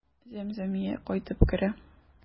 Зәмзәмия кайтып керә.